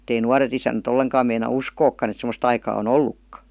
että ei nuoret isännät ollenkaan meinaa uskoakaan että semmoista aikaa on ollutkaan